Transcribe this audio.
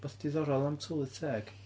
Rywbeth diddorol am tylwyth teg?